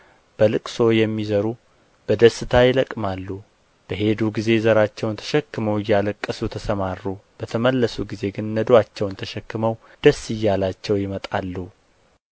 በልቅሶ የሚዘሩ በደስታ ይለቅማሉ በሄዱ ጊዜ ዘራቸውን ተሸክመው እያለቀሱ ተሰማሩ በተመለሱ ጊዜ ግን ነዶአቸውን ተሸክመው ደስ እያላቸው ይመጣሉ